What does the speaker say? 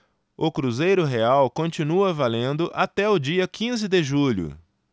o cruzeiro real continua valendo até o dia quinze de julho